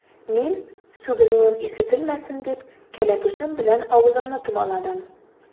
Мин, сүгенүем ишетелмәсен дип, кәләпүшем белән авызымны томаладым.